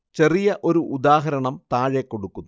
ചെറിയ ഒരു ഉദാഹരണം താഴെ കൊടുക്കുന്നു